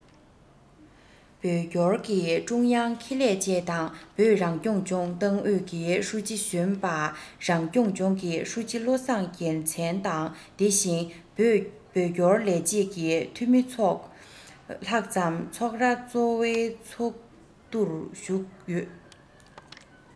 བོད སྐྱོར གྱི ཀྲུང དབྱང ཁེ ལས བཅས དང བོད རང སྐྱོང ལྗོངས ཏང ཨུད ཀྱི ཧྲུའུ ཅི གཞོན པ རང སྐྱོང ལྗོངས ཀྱི ཀྲུའུ ཞི བློ བཟང རྒྱལ མཚན དང དེ བཞིན བོད སྐྱོར ལས བྱེད ཀྱི འཐུས མི སོགས ལྷག ཙམ ཚོགས ར གཙོ བོའི ཚོགས འདུར ཞུགས ཡོད